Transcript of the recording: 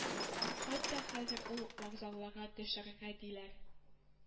Хатта хәзер үк вокзалга төшәргә диләр